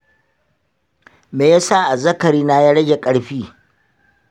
me yasa azzakari na ya rage ƙarfi?